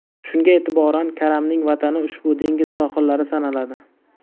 shunga e'tiboran karamning vatani ushbu dengiz sohillari sanaladi